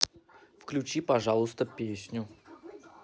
включи пожалуйста песню